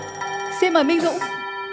xin mời minh dũng